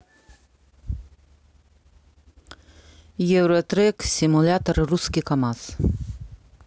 euro track simulator русский камаз